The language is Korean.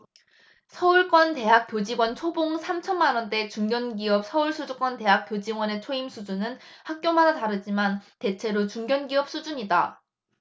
서울권 대학 교직원 초봉 삼 천만원대 중견기업 수준서울권 대학 교직원의 초임 수준은 학교마다 다르지만 대체로 중견기업 수준이다